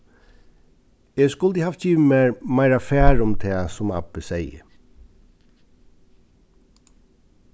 eg skuldi havt givið mær meira far um tað sum abbi segði